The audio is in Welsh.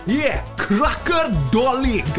Ie, Cracyr Dolig!